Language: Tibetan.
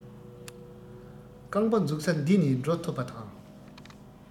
རྐང པ འཛུགས ས འདི ནས འགྲོ ཐུབ པ དང